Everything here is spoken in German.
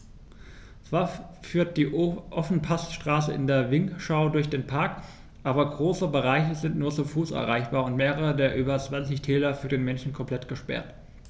Zwar führt die Ofenpassstraße in den Vinschgau durch den Park, aber große Bereiche sind nur zu Fuß erreichbar und mehrere der über 20 Täler für den Menschen komplett gesperrt.